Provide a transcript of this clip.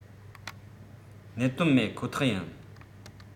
གནད དོན མེད ཁོ ཐག ཡིན